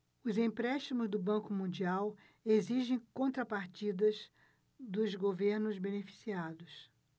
os empréstimos do banco mundial exigem contrapartidas dos governos beneficiados